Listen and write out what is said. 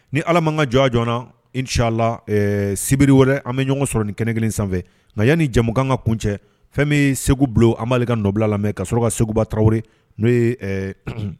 Ni ala man ka jɔ joonac la sibiri wɛrɛ an bɛ ɲɔgɔn sɔrɔ ni kɛnɛ kelen sanfɛ nka yan ni jamumukan ka kun cɛ fɛn bɛ segu bulon an m'ale ka nɔbila lamɛn ka sɔrɔ ka seguba taraweleri n'o ye